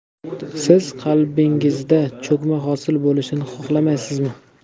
siz qalbingizda cho'kma hosil bo'lishini xohlamaysizmi